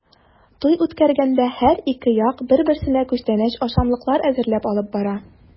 Туй үткәргәндә һәр ике як бер-берсенә күчтәнәч-ашамлыклар әзерләп алып бара.